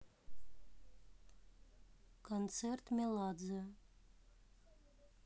концерт меладзе